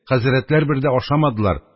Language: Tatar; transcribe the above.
Хәзрәтләр бер дә ашамадылар